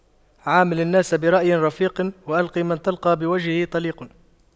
عامل الناس برأي رفيق والق من تلقى بوجه طليق